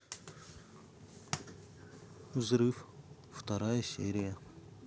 взрыв вторая серия